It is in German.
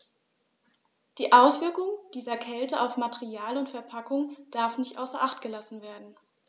Die Auswirkungen dieser Kälte auf Material und Verpackung darf nicht außer acht gelassen werden.